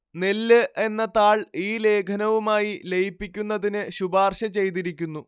നെല്ല് എന്ന താൾ ഈ ലേഖനവുമായി ലയിപ്പിക്കുന്നതിന് ശുപാർശ ചെയ്തിരിക്കുന്നു